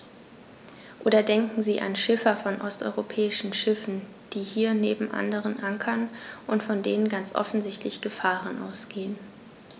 Oder denken Sie an Schiffer von osteuropäischen Schiffen, die hier neben anderen ankern und von denen ganz offensichtlich Gefahren ausgehen.